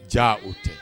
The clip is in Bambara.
Jaa o tɛ